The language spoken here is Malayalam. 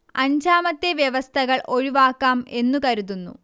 അഞ്ചാമത്തെ വ്യവസ്ഥകൾ ഒഴിവാക്കാം എന്നു കരുതുന്നു